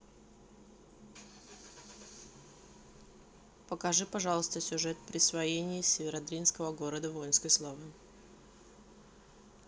покажи пожалуйста сюжет про присвоение северодвинского города воинской славы